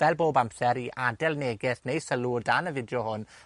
fel bob amser i adel neges neu sylw o dan y fideo hwn,